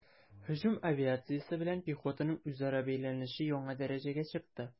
Һөҗүм авиациясе белән пехотаның үзара бәйләнеше яңа дәрәҗәгә чыкты.